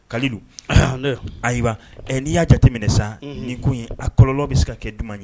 Kalilu ahaan n de yan ayiba ɛ n'i y'a jate minɛ saa unhun nin kun ye a kɔlɔlɔ bi se ka kɛ duman ye